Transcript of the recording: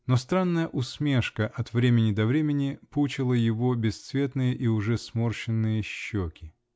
но странная усмешка от времени до времени пучила его бесцветные и уже сморщенные щеки.